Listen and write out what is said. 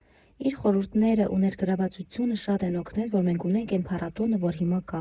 Իր խորհուրդները ու ներգրավվածությունը շատ են օգնել, որ մենք ունենք էն փառատոնը, որ հիմա կա։